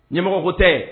Ɲɛ tɛ